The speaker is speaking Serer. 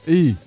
i